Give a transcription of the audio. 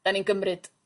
'dan ni'n gymryd